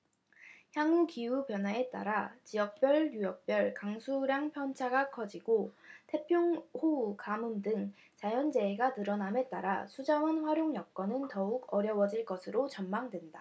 향후 기후변화에 따라 지역별 유역별 강수량 편차가 커지고 태풍 호우 가뭄 등 자연재해가 늘어남에 따라 수자원 활용 여건은 더욱 어려워질 것으로 전망된다